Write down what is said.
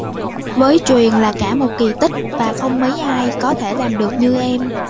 với truyền là cả một kỳ tích và không mấy ai có thể làm được như em